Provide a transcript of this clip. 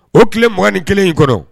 O tile 21 in kɔnɔ